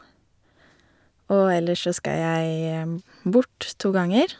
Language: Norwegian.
Og ellers så skal jeg bort to ganger.